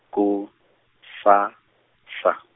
kusasa.